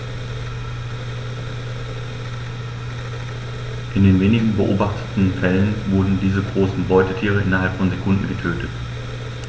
In den wenigen beobachteten Fällen wurden diese großen Beutetiere innerhalb von Sekunden getötet.